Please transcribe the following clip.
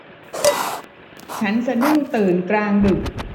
ฉันสะดุ้งตื่นกลางดึก